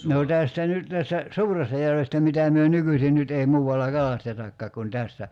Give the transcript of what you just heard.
no tästä nyt tästä Suurestajärvestä mitä me nykyisin nyt ei muualla kalastetakaan kuin tässä